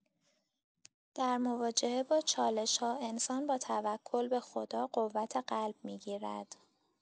در مواجهه با چالش‌ها، انسان با توکل به‌خدا قوت قلب می‌گیرد.